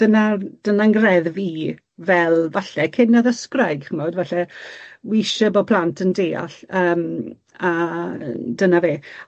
dyna dyna'n ngrefdd i fel falle cyn addysgwraig ch'mod falle wi isie bo' plant yn deall yym a dyna fe.